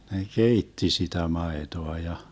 ne keitti sitä maitoa ja